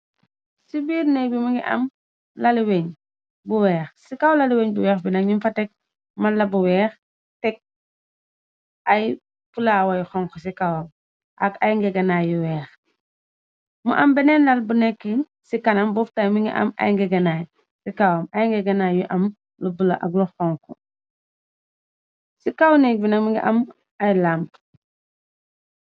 Ci biir nek bi mi ngi, ci kaw laliweñ bu weex bi nag, ñuñ fa tek malla bu weex tekk ay pulaway xonk ci kawam, ak ay ngegenaay yu weex, mu am beneen lal bu nekki ci kanam bof taay ini a ngegenaaymakxwi ngi am ay làmb.